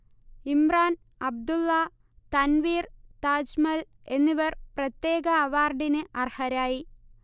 ഇമ്രാൻ അബ്ദുല്ല, തൻവീർ താജ്മൽ എന്നിവർ പ്രത്യേക അവാർഡിന് അർഹരായി